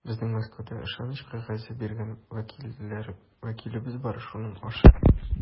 Безнең Мәскәүдә ышаныч кәгазе биргән вәкилебез бар, шуның аша эшлибез.